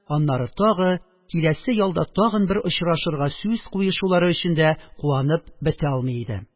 Аннары тагы киләсе ялда тагын бер очрашырга сүз куешулары өчен дә куанып бетә алмый иде